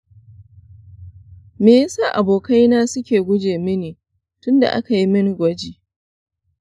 me ya sa abokaina suke guje mini tun da aka yi min gwaji?